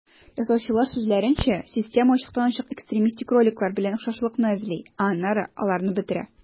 Ясаучылар сүзләренчә, система ачыктан-ачык экстремистик роликлар белән охшашлыкны эзли, ә аннары аларны бетерә.